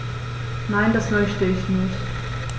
Nein, das möchte ich nicht.